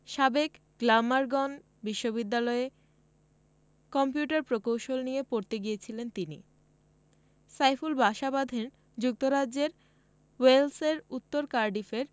সাবেক গ্লামারগন বিশ্ববিদ্যালয়ে কম্পিউটার প্রকৌশল নিয়ে পড়তে গিয়েছিলেন তিনি সাইফুল বাসা বাঁধেন যুক্তরাজ্যের ওয়েলসের উত্তর কার্ডিফের